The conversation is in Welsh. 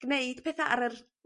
gneud petha ar yr